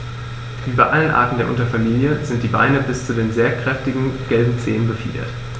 Wie bei allen Arten der Unterfamilie sind die Beine bis zu den sehr kräftigen gelben Zehen befiedert.